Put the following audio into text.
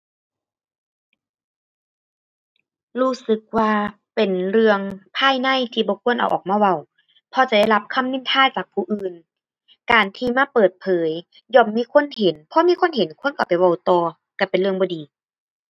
รู้สึกว่าเป็นเรื่องภายในที่บ่ควรเอาออกมาเว้า เพราะจะได้รับคำนินทาจากผู้อื่น การที่มาเปิดเผยย่อมมีคนเห็น พอมีคนเห็นคนก็เอาไปเว้าต่อ ก็เป็นเรื่องบ่ดี